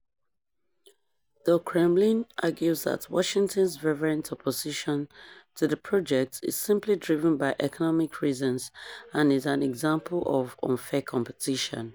The Kremlin argues that Washington's fervent opposition to the project is simply driven by economic reasons and is an example of unfair competition.